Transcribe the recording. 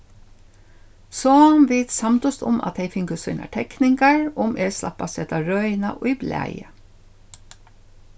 so vit samdust um at tey fingu sínar tekningar um eg slapp at seta røðina í blaðið